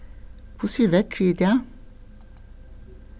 hvussu er veðrið í dag